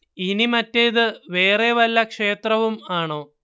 ഇനി മറ്റേത് വേറെ വല്ല ക്ഷേത്രവും ആണോ